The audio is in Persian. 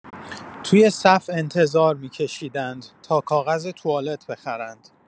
توی صف انتظار می‌کشیدند تا کاغذ توالت بخرند.